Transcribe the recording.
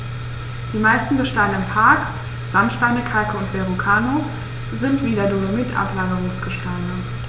Die meisten Gesteine im Park – Sandsteine, Kalke und Verrucano – sind wie der Dolomit Ablagerungsgesteine.